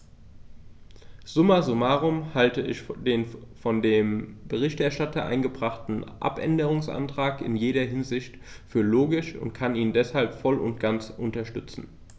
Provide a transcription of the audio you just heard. Summa summarum halte ich den von dem Berichterstatter eingebrachten Abänderungsantrag in jeder Hinsicht für logisch und kann ihn deshalb voll und ganz unterstützen.